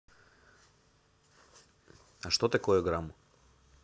а что такое грамм